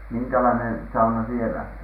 minkälainen sauna siellä oli